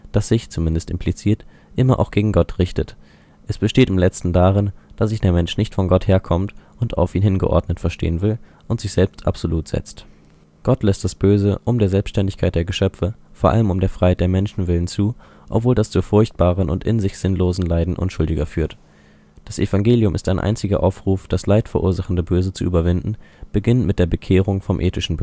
das sich - zumindest implizit - immer auch gegen Gott richtet: Es besteht im letzten darin, dass sich der Mensch nicht von Gott herkommend und auf ihn hingeordnet verstehen will und sich selbst absolut setzt. Gott lässt das Böse um der Selbständigkeit der Geschöpfe, vor allem um der Freiheit der Menschen willen zu, obwohl das zu furchtbaren und in sich sinnlosen Leiden Unschuldiger führt. Das Evangelium ist ein einziger Aufruf, das Leid verursachende Böse zu überwinden, beginnend mit der Bekehrung vom ethischen